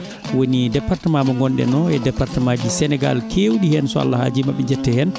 woni département mo ngonɗen oo e département ji Sénégal keewɗi heen so Allah haajii maa ɓe njettee heen